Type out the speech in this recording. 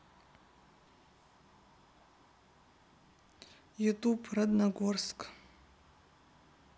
ютуб родногорск